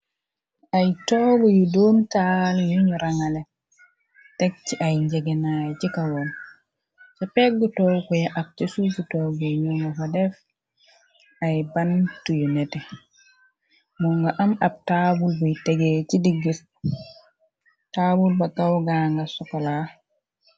ay tooge yu doom taal yuñu rangale teg ci ay njeginaay ci kawoon ca pegg towkoe ak ca suisi toogee ñumo fa def ay bantu yu nete moo nga am ab taawul buy tegee ci digg taawul ba kawgaanga sopola